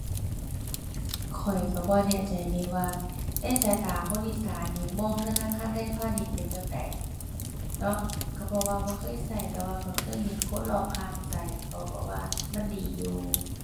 ข้อยก็บ่แน่ใจเดะว่า ในสายตาคนอีสานนี้มองธนาคารไทยพาณิชย์เป็นจั่งใด เนาะ ก็เพราะว่าบ่เคยก็แต่ว่าก็เคยเห็นคนรอบข้างก็ เขาก็ว่ามันดีอยู่